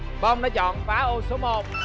bom đã chọn phá ô số một